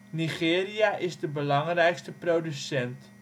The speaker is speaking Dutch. Nigeria is de belangrijkste producent